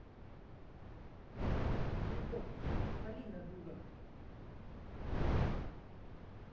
sberbox полина дура